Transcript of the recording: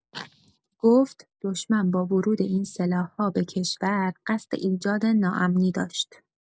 گفت «دشمن با ورود این سلاح‌ها به کشور قصد ایجاد ناامنی داشت.»